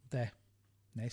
Ynde, neis.